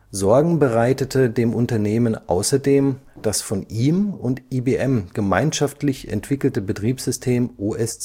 Sorgen bereitete dem Unternehmen außerdem das von ihm und IBM gemeinschaftlich entwickelte Betriebssystem OS/2